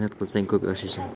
mehnat qilsang ko'p oshaysan